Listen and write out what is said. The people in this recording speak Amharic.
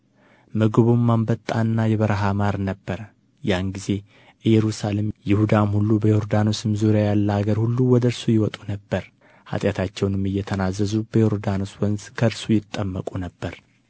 ምግቡም አንበጣና የበረሀ ማር ነበረ ያን ጊዜ ኢየሩሳሌም ይሁዳም ሁሉ በዮርዳኖስም ዙሪያ ያለ አገር ሁሉ ወደ እርሱ ይወጡ ነበር ኃጢአታቸውንም እየተናዘዙ በዮርዳኖስ ወንዝ ከእርሱ ይጠመቁ ነበር